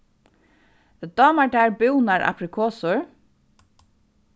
dámar tær búnar aprikosur